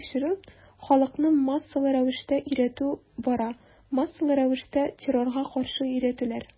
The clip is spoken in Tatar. Бу тикшерү, халыкны массалы рәвештә өйрәтү бара, массалы рәвештә террорга каршы өйрәтүләр.